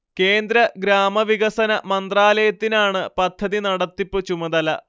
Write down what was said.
കേന്ദ്ര ഗ്രാമവികസന മന്ത്രാലയത്തിനാണ് പദ്ധതി നടത്തിപ്പ് ചുമതല